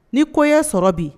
Ni ko ye sɔrɔ bi